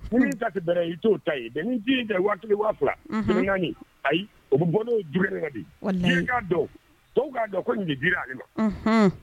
Ta bɛ i t'o ta ye waati fila ayi u bɛ bɔ jumɛn dia dɔw k'a dɔn ko nin di a ma